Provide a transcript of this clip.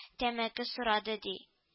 Тәмәке сорады, ди